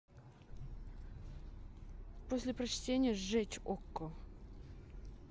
после прочтения сжечь okko